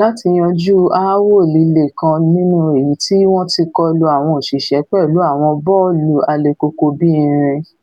láti yanjú aáwọ̀ líle kan nínú èyití wọ́n ti kọlu àwọn òṣìsẹ́ pẹ̀lú àwọn bọ́ọ̀lù alekoko-bí-irin.